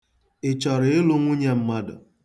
Ị chọrọ ịlụ nwunye mmadụ?